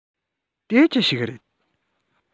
དེ ཅི ཞིག རེད